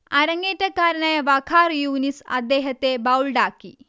അരങ്ങേറ്റക്കാരനായ വഖാർ യൂനിസ് അദ്ദേഹത്തെ ബൗൾഡാക്കി